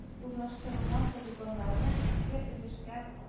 Урнаштырылган полигоннарны ике өлешкә